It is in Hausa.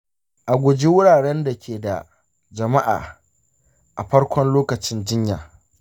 a guji wuraren da ke da jama'a a farkon lokacin jinya.